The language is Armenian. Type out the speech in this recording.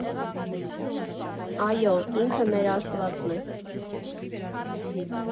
Այո՛, ինքը մեր Աստվածն է։